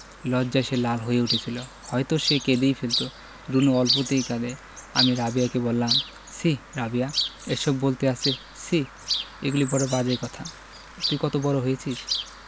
লজ্জায় সে লাল হয়ে উঠেছিলো হয়তো সে কেঁদেই ফেলতো রুনু অল্পতেই কাঁদে আমি রাবেয়াকে বললাম ছিঃ রাবেয়া এসব বলতে আছে ছিঃ এগুলি বড় বাজে কথা তুই কত বড় হয়েছিস